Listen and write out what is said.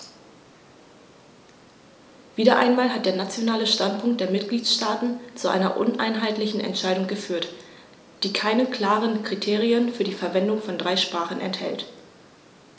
Wieder einmal hat der nationale Standpunkt der Mitgliedsstaaten zu einer uneinheitlichen Entscheidung geführt, die keine klaren Kriterien für die Verwendung von drei Sprachen enthält.